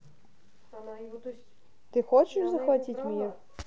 ты хочешь захватить мир